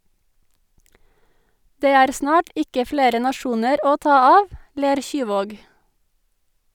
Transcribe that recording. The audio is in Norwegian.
- Det er snart ikke flere nasjoner å ta av , ler Kyvåg.